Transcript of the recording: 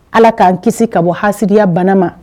Ala k'an kisi ka bɔ haya bana ma